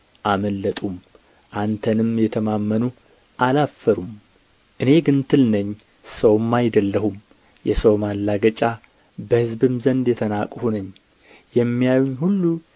አመለጡም አንተንም ተማመኑ አላፈሩም እኔ ግን ትል ነኝ ሰውም አይደለሁም የሰው ማላገጫ በሕዝብም ዘንድ የተናቅሁ ነኝ የሚያዩኝ ሁሉ